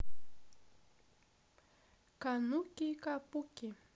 кануки капуки